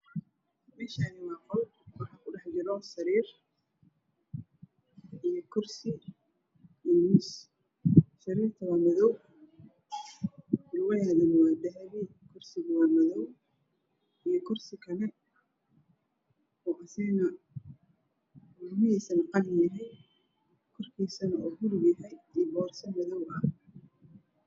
Meshaan waa qol waxaa ku dhax jiro sariir iyo kur iyo miis sariita wa mado lugaheeda waa dahpi kursiga waa madow iyo kursi kale luguhiisa wa qalin korkiisana waa pluug uyo poorso madow ah